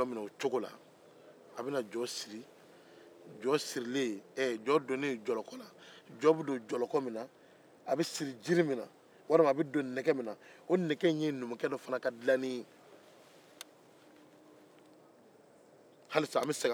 jɔn bɛ siri fɛn min na jiri walima nɛgɛ o ye numu dɔ ka dilalen ye hali siasan an be segin an kɔ an bɛ na jele ka baara la o yɔrɔ la